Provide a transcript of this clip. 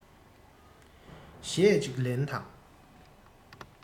གཞས གཅིག ལེན དང